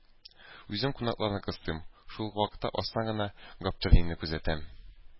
Үзем кунакларны кыстыйм, шул ук вакытта астан гына Гаптерине күзәтәм.